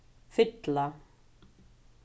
fylla